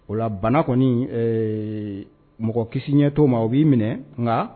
O la bana kɔni mɔgɔ kisi ɲɛ to ma o b'i minɛ nka